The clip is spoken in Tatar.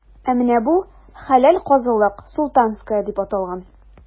Ә менә бу – хәләл казылык,“Султанская” дип аталган.